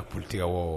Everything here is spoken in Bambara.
A politique awɔɔ